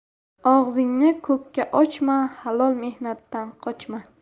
og'zingni ko'kka ochma halol mehnatdan qochma